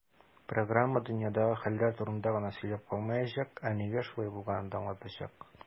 Программа "дөньядагы хәлләр турында гына сөйләп калмаячак, ә нигә шулай булганын да аңлатачак".